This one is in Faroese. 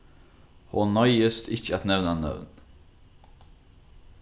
hon noyðist ikki at nevna nøvn